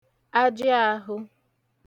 ajị ahụ